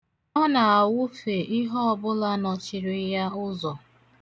Ọ na-awụfe ihe ọbụla nọchiri ya ụzọ.